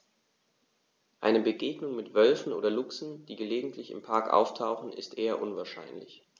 Eine Begegnung mit Wölfen oder Luchsen, die gelegentlich im Park auftauchen, ist eher unwahrscheinlich.